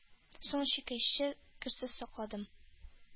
Соң чиккәчә керсез сакладым.